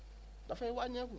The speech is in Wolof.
dafay wàññeeku